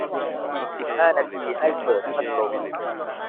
อีกสิบห้านาทีให้เปิดพัดลม